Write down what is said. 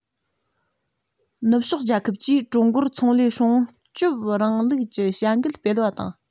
ནུབ ཕྱོགས རྒྱལ ཁབ ཀྱིས ཀྲུང གོར ཚོང ལས སྲུང སྐྱོབ རིང ལུགས ཀྱི བྱ འགུལ སྤེལ བ དང